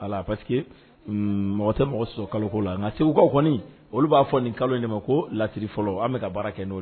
A parce que mɔgɔ tɛ mɔgɔ sɔsɔ kaloko la, nka segukaw kɔni olu b'a fɔ nin kalo de ma ko lasiri fɔlɔ, an bɛ ka baara kɛ n'o de ye.